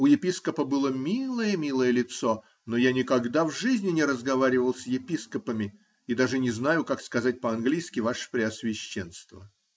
У епископа было милое-милое лицо, но я никогда в жизни не разговаривал с епископами и даже не знаю, как сказать по-английски "ваше преосвященство".